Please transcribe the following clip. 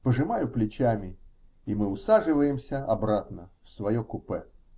Пожимаю плечами, и мы усаживаемся обратно в свое купе.